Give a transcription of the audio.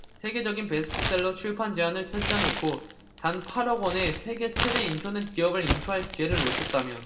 세계적인 베스트셀러의 출판 제안을 퇴짜놓고 단 팔 억 원에 세계 최대 인터넷 기업을 인수할 기회를 놓쳤다면